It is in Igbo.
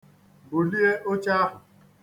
Bulie oche ahụ.